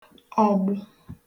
ọgbụ